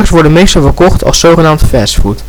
worden meestal verkocht als zogenaamd fastfood